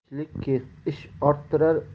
ishlik kehb ish orttirar